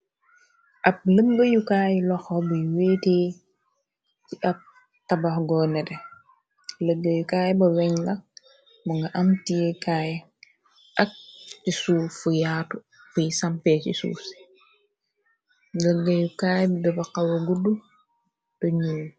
Ab lëggayukaay loxo buy weetee ci ab tabax goo nete lëggayu kaay ba weñ lak bu nga am ti kaay ak ci suuf fu yaatu fuy sampee ci suufse lëggayu kaay bi daba xawa gudd doñingi.